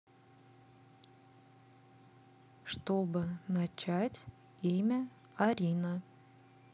чтобы начать имя арина